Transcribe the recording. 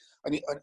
o'n i